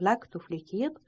lak tufli kiyib